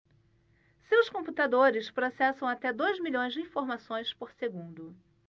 seus computadores processam até dois milhões de informações por segundo